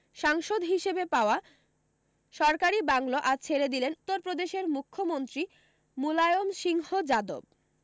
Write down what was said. সাংসদ হিসাবে পাওয়া সরকারী বাংলো আজ ছেড়ে দিলেন উত্তরপ্রদেশের মুখ্যমন্ত্রী মুলায়ম সিংহ যাদব